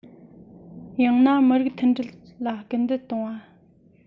ཡང ན མི རིགས མཐུན སྒྲིལ ལ སྐུལ འདེད གཏོང བ